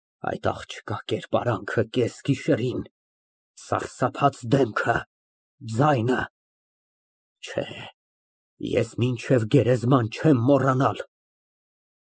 Այդ աղջկա կերպարանքը կեսգիշերին, սարսափած դեմքը, ձայնը… Ես մինչև գերեզման չեմ մոռանալ։